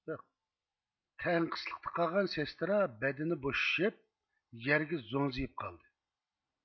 تەڭقىسلىقتا قالغان سېسترا بەدىنى بوشىشىپ يەرگە زوڭزىيىپ قالدى